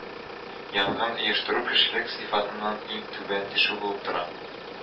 Янгын оештыру кешелек сыйфатыннан иң түбән төшү булып тора